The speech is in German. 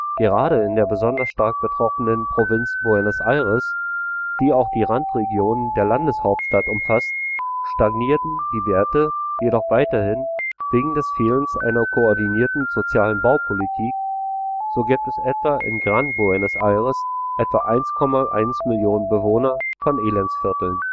Gerade in der besonders stark betroffenen Provinz Buenos Aires, die auch die Randregionen der Landeshauptstadt umfasst, stagnieren die Werte jedoch weiterhin wegen des Fehlens einer koordinierten sozialen Baupolitik, so gibt es etwa im Gran Buenos Aires etwa 1,1 Millionen Bewohner von Elendsvierteln